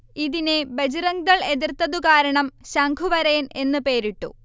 ഇതിനെ ബജ്റംഗ്ദൾ എതിർത്തതുകാരണം 'ശംഖുവരയൻ' എന്ന് പേരിട്ടു